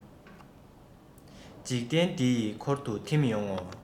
འཇིག རྟེན འདི ཡི འཁོར དུ ཐིམ ཡོང ངོ